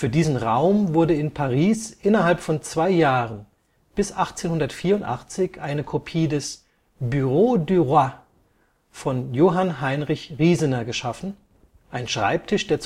diesen Raum wurde in Paris innerhalb von zwei Jahren bis 1884 eine Kopie des Bureau du Roi von Johann Heinrich Riesener geschaffen, ein Schreibtisch, der